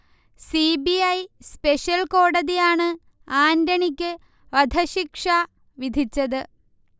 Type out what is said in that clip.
C. B. I special കോടതിയാണ് ആന്റണിക്ക് വധശിക്ഷ വിധിച്ചത്